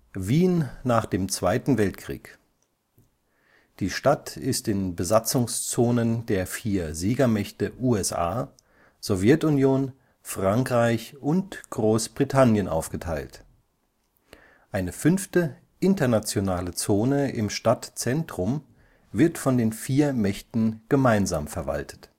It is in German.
Wien nach dem Zweiten Weltkrieg: Die Stadt ist in Besatzungszonen der vier Siegermächte USA, Sowjetunion, Frankreich und Großbritannien aufgeteilt. Eine fünfte, internationale Zone im Stadtzentrum wird von den vier Mächten gemeinsam verwaltet